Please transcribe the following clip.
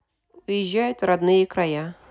уезжают в родные края